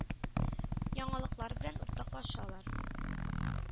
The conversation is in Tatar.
Яңалыклар белән уртаклашалар.